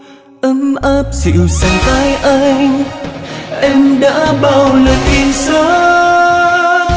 ấm áp dịu dàng vai anh em đã bao lần yên giấc